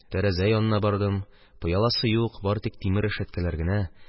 Тәрәзә янына бардым, пыяласы юк, бары тик тимер рәшәткәләр генә.